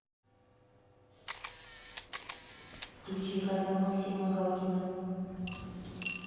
включи канал максима галкина